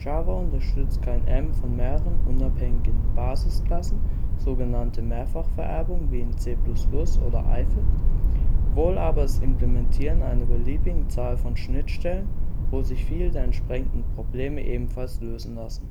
Java unterstützt kein Erben von mehreren unabhängigen Basisklassen (sogenannte „ Mehrfachvererbung “wie in C++ oder Eiffel), wohl aber das Implementieren einer beliebigen Zahl von Schnittstellen, womit sich viele der entsprechenden Probleme ebenfalls lösen lassen.